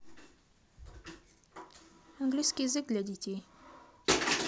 английский язык для детей